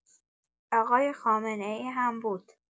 آقای خامنه‌ای هم بود.